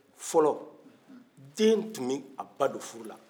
fɔlɔ den kun bɛ a ba don furu la